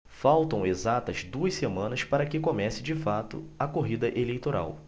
faltam exatas duas semanas para que comece de fato a corrida eleitoral